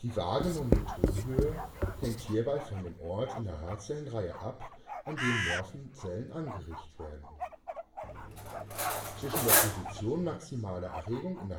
wahrgenommene Tonhöhe (Tonheit) hängt hierbei von dem Ort in der Haarzellenreihe ab, an dem Nervenzellen angeregt werden. Zwischen der Position maximaler Erregung in